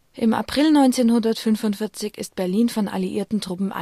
Im April 1945 ist Berlin von alliierten Truppen